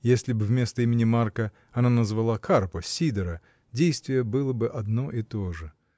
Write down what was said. Если б вместо имени Марка она назвала Карпа, Сидора — действие было бы одно и то же.